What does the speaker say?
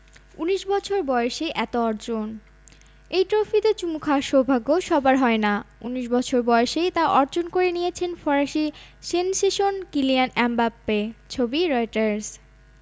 ১৯ বছর বয়সেই এত অর্জন এই ট্রফিতে চুমু খাওয়ার সৌভাগ্য সবার হয় না ১৯ বছর বয়সেই তা অর্জন করে নিয়েছেন ফরাসি সেনসেশন কিলিয়ান এমবাপ্পে ছবি রয়টার্স